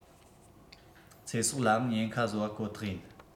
ཚེ སྲོག ལའང ཉེན ཁ བཟོ བ ཁོ ཐག ཡིན